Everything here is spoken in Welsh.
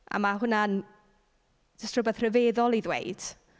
A mae hwnna'n jyst rywbeth rhyfeddol i ddweud.